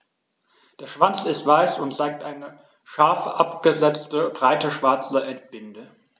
Der Schwanz ist weiß und zeigt eine scharf abgesetzte, breite schwarze Endbinde.